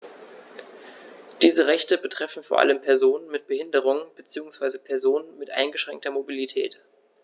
Diese Rechte betreffen vor allem Personen mit Behinderung beziehungsweise Personen mit eingeschränkter Mobilität.